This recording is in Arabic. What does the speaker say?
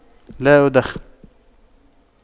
لا أدخن